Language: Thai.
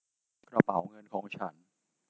กระเป๋าเงินของฉัน